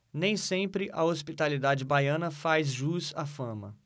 nem sempre a hospitalidade baiana faz jus à fama